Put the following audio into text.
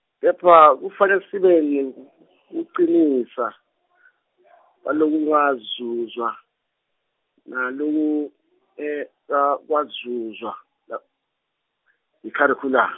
kepha kufanele sibe nebu- ucinisa , balokungazuzwa, nalokungekekwazuzwa la, yikharikhulamu.